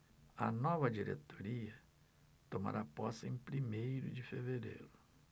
a nova diretoria tomará posse em primeiro de fevereiro